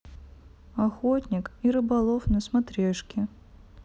охотник и рыболов на смотрешке